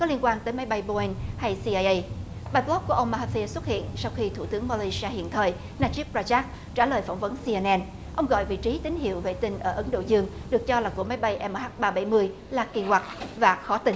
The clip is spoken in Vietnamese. có liên quan tới máy bay bô ing hay si ai ây bài pót của ông ma ha phi xuất hiện sau khi thủ tướng ma lay si a hiện thời là tríp pa chác trả lời phỏng vấn si en en ông gọi vị trí tín hiệu vệ tinh ở ấn độ dương được cho là của máy bay mh ba bảy mười là kỳ quặc và khó tính